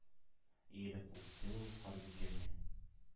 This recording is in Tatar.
Иелеп үпте ул Карбикәне,